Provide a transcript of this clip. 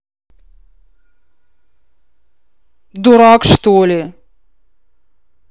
дурак штоли